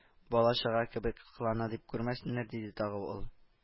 Бала-чага кебек кылана дип күрмәсеннәр —диде тагы ул